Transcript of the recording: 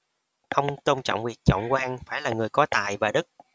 ông tôn trọng việc chọn quan phải là người có tài và đức